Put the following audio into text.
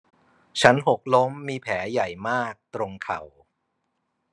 ฉันหกล้มมีบาดแผลใหญ่มากตรงเข่า